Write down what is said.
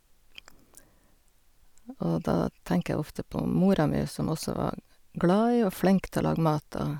Og da tenker jeg ofte på mora mi som også var glad i, og flink til, å lage mat, og...